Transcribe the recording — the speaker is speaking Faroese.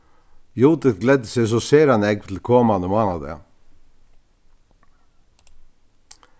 judit gleddi seg so sera nógv til komandi mánadag